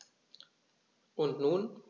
Und nun?